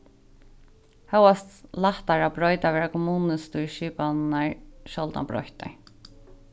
hóast lættar at broyta verða kommunustýrisskipanirnar sjáldan broyttar